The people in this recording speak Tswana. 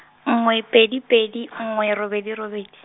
nngwe pedi pedi nngwe robedi robedi.